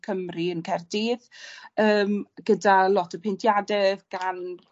Cymru yn Caerdydd yym gyda lot o peintiade gan